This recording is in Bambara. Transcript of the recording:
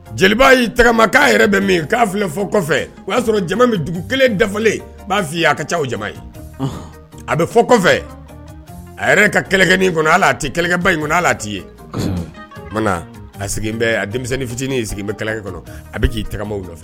Jeliba y'i tagama k'a yɛrɛ bɛ min k'a filɛ fɔ kɔfɛ o y'a sɔrɔ jama min dugu kelen dafalen b'a f'i'a ka ca jama ye a bɛ fɔ a ka kɛlɛkɛin kɔnɔ ala tɛ kɛlɛkɛba in kɔnɔ ala' ye a a denmisɛnninnin fitinin sigilenbɛ kɛlɛkɛ kɔnɔ a bɛ k'i fɛ